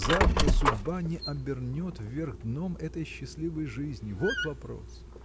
завтра судьба не обернет вверх дном этой счастливой жизни – вот вопрос!